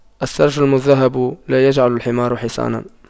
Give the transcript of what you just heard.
السَّرْج المُذهَّب لا يجعلُ الحمار حصاناً